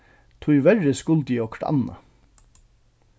tíverri skuldi eg okkurt annað